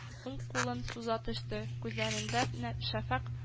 Уң кулын суза төште, күзләрендә нә шәфәкъ